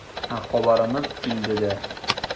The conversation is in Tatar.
Кабарынып килде дә.